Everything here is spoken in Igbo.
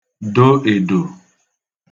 do edo